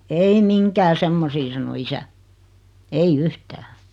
ei mihinkään semmoisiin sanoi isä ei yhtään